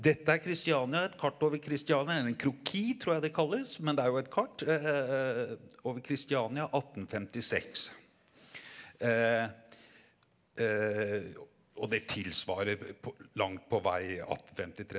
dette er Christiania et kart over Christiania eller en kroki tror jeg det kalles men det er jo et kart over Christiania 1856 og det tilsvarer langt på vei attenfemtitre.